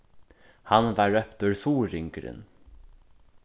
hann var róptur suðuroyingurin